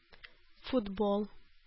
Футбол